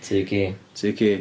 Tŷ ci?... Tŷ ci.